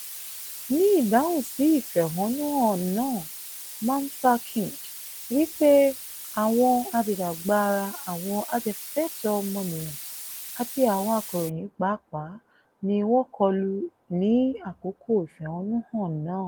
Ní ìdáhùn sí ìfẹ̀hónúhan náà, Mamfakinch wí pé àwọn ajìjàgbara, àwọn ajàfẹ́tọ̀ọ́ ọmọnìyàn àti àwọn akọ̀ròyìn pàápàá ni wọ́n kọlù ní àkókò ìfẹ̀hónúhàn náà.